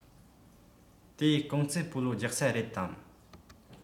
དེ རྐང རྩེད སྤོ ལོ རྒྱག ས རེད དམ